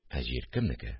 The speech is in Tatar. – ә җир кемнеке